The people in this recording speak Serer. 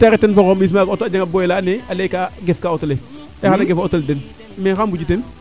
i ten fob xoxum ɓis maaga o auto a jeg o boy olaa ando naye a ley kaa gef kaa auto le e xana gefo auto lo den mais xa muju teen